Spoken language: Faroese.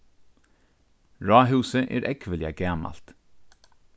ráðhúsið er ógvuliga gamalt